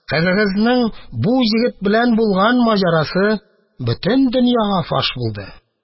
Кызыгызның бу егет белән булган маҗарасы бөтен дөньяга фаш булды.